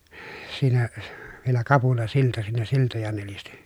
siinä vielä kapulasilta siinä siltoja nelisti